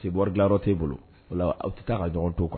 Se bɔra dilanyɔrɔ tɛe bolo wala aw bɛ taa ka jɔn to kan